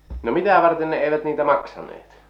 no mitä varten ne eivät niitä maksaneet